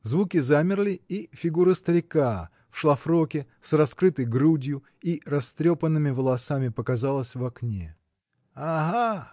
Звуки замерли, и фигура старика в шлафроке, с раскрытой грудью и растрепанными волосами, показалась в окне. -- Ага!